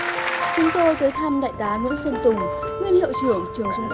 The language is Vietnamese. chúng tôi tới thăm đại tá nguyễn xuân tùng nguyên hiệu trưởng trường trung